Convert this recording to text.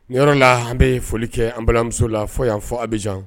Ni yɔrɔ la an bɛ foli kɛ an balimamuso la fɔ y yanan fɔ a bɛ jan